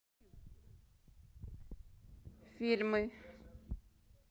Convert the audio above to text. фильмы